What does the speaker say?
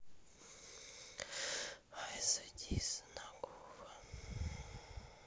айза дисс на гуфа